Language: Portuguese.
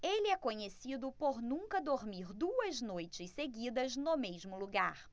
ele é conhecido por nunca dormir duas noites seguidas no mesmo lugar